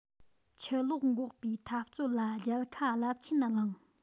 ཆུ ལོག འགོག པའི འཐབ རྩོད ལ རྒྱལ ཁ རླབས ཆེན བླངས